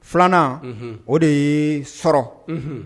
Filanan o de y ye' sɔrɔ